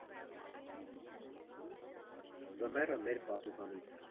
Ձմեռը մեր պատուհանից։